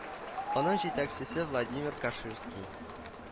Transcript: Аның җитәкчесе Владимир Каширский